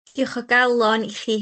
Diolch o galon i chi...